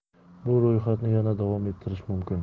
bu ro'yxatni yana davom ettirish mumkin